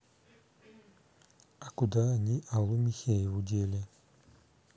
а куда они аллу михееву дели